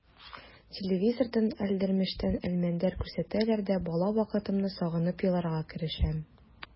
Телевизордан «Әлдермештән Әлмәндәр» күрсәтсәләр дә бала вакытымны сагынып еларга керешәм.